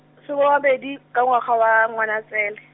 soma a mabedi, ka ngwaga wa Ngwanatsele.